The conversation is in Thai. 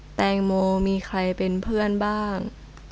แตงโมมีใครเป็นเพื่อนบ้าง